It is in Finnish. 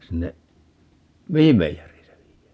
sinne mihin meijeriin se viedään